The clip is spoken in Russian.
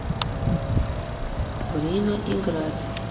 время играть